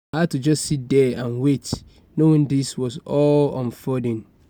I had to just sit there and wait, knowing this was all unfolding.